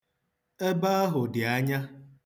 Ebe ahụ dị anya.